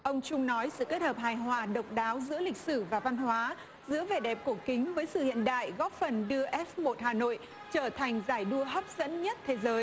ông trung nói sự kết hợp hài hòa độc đáo giữa lịch sử và văn hóa giữa vẻ đẹp cổ kính với sự hiện đại góp phần đưa ép một hà nội trở thành giải đua hấp dẫn nhất thế giới